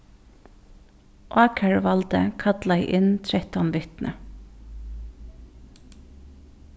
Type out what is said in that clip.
ákæruvaldið kallaði inn trettan vitni